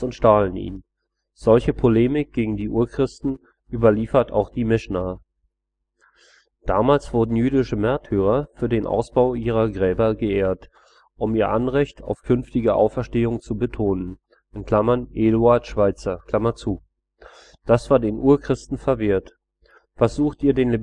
stahlen ihn! Solche Polemik gegen die Urchristen überliefert auch die Mischnah. Damals wurden jüdische Märtyrer durch den Ausbau ihrer Gräber geehrt, um ihr Anrecht auf künftige Auferstehung zu betonen (Eduard Schweizer). Das war den Urchristen verwehrt: Was sucht ihr den